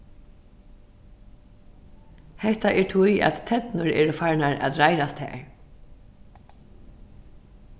hetta er tí at ternur eru farnar at reiðrast har